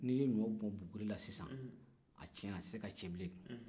ni ɲɔbon buguri la sisan a tɛ se ka cɛ bilen